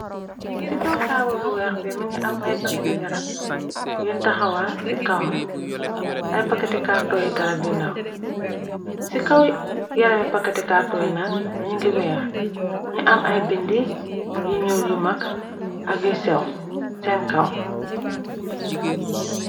Ci kaw taabul bu weex bi më ngi am ay pakati garab yuntaxawal ci kawam ay pakkati kartoyi garab yu ndaw ci kaw yarami pakati kartoyi nak ñu ngi weex ñu am ay bind yi ñuul yu mag ak yu sew seen kaw.